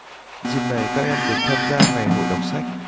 dịp này các em được tham gia ngày hội đọc sách